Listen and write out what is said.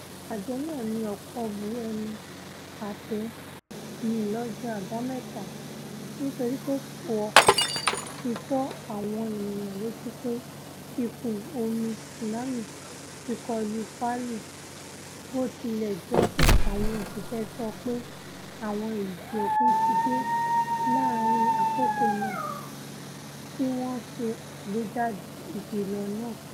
Àjọ náà ni ọ̀pọ̀ bu ẹnu àtẹ́ lù lọ́jọ́ Àbámẹ́ta nítorípe kò fitó àwọn ènìyàn létí pe ìkún-omi tsunami ti kọlu Palu, bó tilẹ̀ jẹ́ pé àwọn òṣiṣẹ́ sọ pé àwọn ìjì òkun ti dé láàrin àkókò náà tí wọ́n ṣe àgbéjáde ìkìlọ̀ náà.